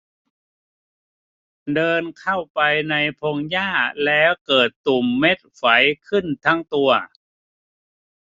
เดินเข้าไปในพงหญ้าแล้วเกิดตุ่มเม็ดไฝขึ้นทั้งตัว